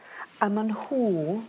A ma' nhw